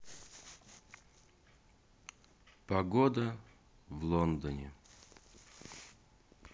погода в лондоне